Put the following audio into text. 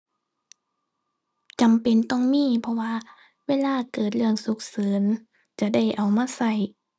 จำเป็นต้องมี เพราะว่าเวลาเกิดเรื่องฉุกเฉินจะได้เอามาใช้